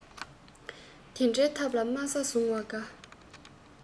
དེ འདྲའི ཐབས ལ དམའ ས བཟུང བ དགའ